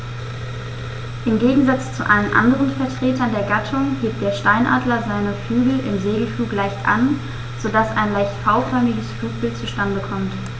Im Gegensatz zu allen anderen Vertretern der Gattung hebt der Steinadler seine Flügel im Segelflug leicht an, so dass ein leicht V-förmiges Flugbild zustande kommt.